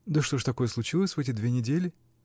-- Да что ж такое случилось в эти две недели?